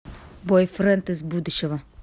бойфренд из будущего